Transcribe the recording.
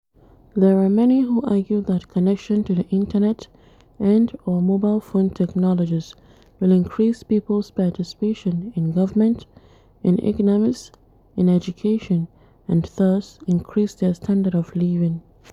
There are many who argue that connection to the internet and/or mobile phone technologies will increase people’s participation in government, in economies, in education and thus increase their standard of living.